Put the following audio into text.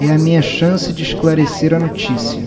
é a minha chance de esclarecer a notícia